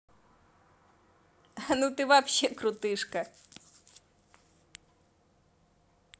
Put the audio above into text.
ну ты вообще крутышка